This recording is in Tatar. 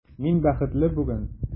Мин бәхетле бүген!